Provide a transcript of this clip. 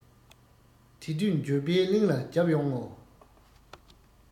དེ དུས འགྱོད པའི གླིང ལ བརྒྱབ ཡོང ངོ